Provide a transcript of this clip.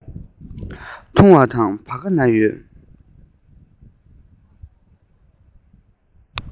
གཅུང མོའི ངུ སྐད ཇེ ཆེར སོང བ དང